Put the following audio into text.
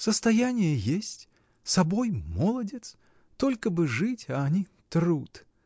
— Состояние есть, собой молодец: только бы жить, а они — труд!